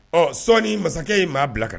Ɔ sɔɔni masakɛ ye maa bila ka na